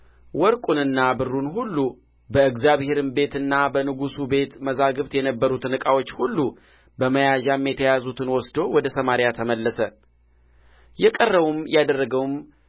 ወርቁንና ብሩን ሁሉ በእግዚአብሔርም ቤትና በንጉሡ ቤት መዛግብት የነበሩትን ዕቃዎች ሁሉ በመያዣም የተያዙትን ወስዶ ወደ ሰማርያ ተመለሰ የቀረውም ያደረገው